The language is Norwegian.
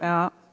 ja.